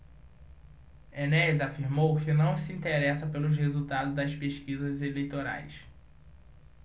enéas afirmou que não se interessa pelos resultados das pesquisas eleitorais